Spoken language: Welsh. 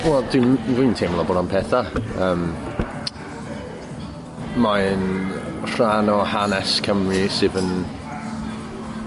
Wel dwi'n dwi'n teimlo bod o'n peth dda. Yym. Mae'n rhan o hanes Cymru sydd yn